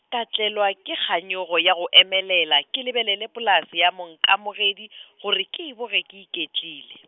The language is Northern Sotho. ka tlelwa ke kganyogo ya go emelela, ke lebelele polase ya monkamogedi, gore ke e boge ke iketlile.